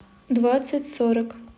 двадцать сорок